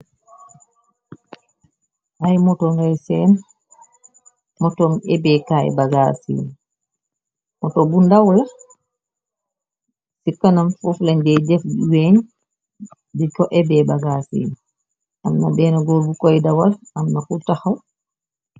Ayy moto ngay seen. Motom ébkay bagaas si. Moto bu ndawla ci kanam fofu lañde dëf weeñ di ko eb bagaas sii. Amna benn góor bu koy dawal amna ku taxaw.